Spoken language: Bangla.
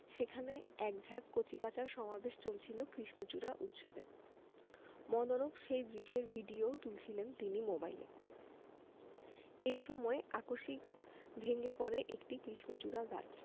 সেখানে এক ঝাঁক কচিকাঁচার সমাবেশ চলছিল কৃষ্ণচূড়া উৎসবে মনোরম সেই দৃশ্যের ভিডিও তুলছিলেন তিনি মোবাইলে এ সময় আকস্মিক ভেঙ্গে পড়ে একটি কৃষ্ণচূড়া গাছ